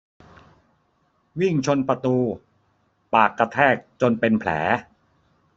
วิ่งชนประตูปากกระแทกจนเป็นแผล